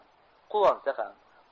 quvonsa ham